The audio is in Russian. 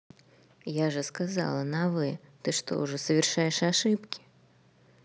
я же сказала на вы ты что уже совершаешь ошибки